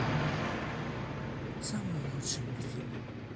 самые лучшие мультфильмы